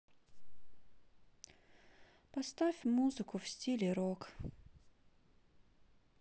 поставь музыку в стиле рок